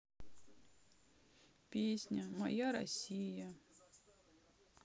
песня моя россия